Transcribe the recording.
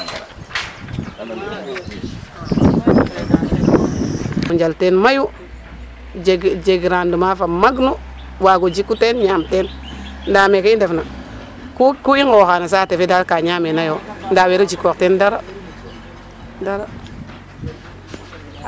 o njal teen mayu jeg jeg rendement fo magnu waag o jiku teen ñaam teen ndaa meeke i ndefna ku ku i nnqooxa no saate fe daql ka ñaameena yo ndaa waagiro jikoox teen dara dara.